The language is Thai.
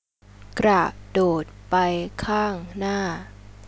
กระโดดไปข้างหน้า